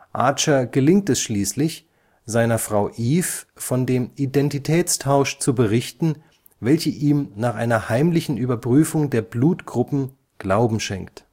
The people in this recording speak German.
Archer gelingt es schließlich, seiner Frau Eve von dem Identitätstausch zu berichten, welche ihm nach einer heimlichen Überprüfung der Blutgruppen Glauben schenkt